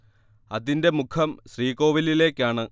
അതിന്റെ മുഖം ശ്രീകോവിലിലേക്കാണ്